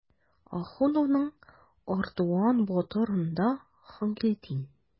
Ахуновның "Ардуан батыр"ында Хангилдин.